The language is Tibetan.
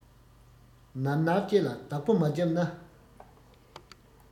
ནར ནར ལྕེ ལ བདག པོ མ བརྒྱབ ན